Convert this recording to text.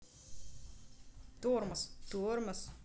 тормоз тормоз